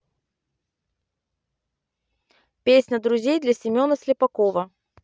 песня друзей для семена слепакова